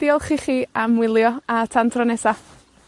Diolch i chi am wylio, a tan tro nesa.